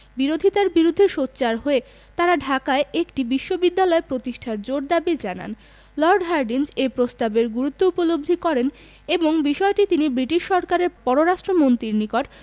বিরোধিতার বিরুদ্ধে সোচ্চার হয়ে তারা ঢাকায় একটি বিশ্ববিদ্যালয় প্রতিষ্ঠার জোর দাবি জানান লর্ড হার্ডিঞ্জ এ প্রস্তাবের গুরুত্ব উপলব্ধি করেন এবং বিষয়টি তিনি ব্রিটিশ সরকারের পররাষ্ট্র মন্ত্রীর নিকট